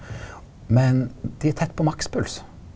men dei er tett på makspuls.